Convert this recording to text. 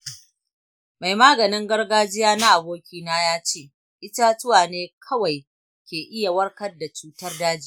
mai maganin gargajiya na abokina ya ce itatuwa ne kawai ke iya warkar da cutar daji.